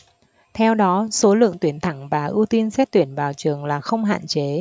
theo đó số lượng tuyển thẳng và ưu tiên xét tuyển vào trường là không hạn chế